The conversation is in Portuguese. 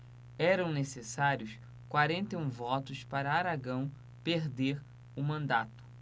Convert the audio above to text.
eram necessários quarenta e um votos para aragão perder o mandato